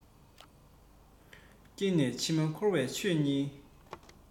སྐྱེས ནས འཆི བ འཁོར བའི ཆོས ཉིད